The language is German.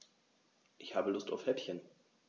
Ich habe Lust auf Häppchen.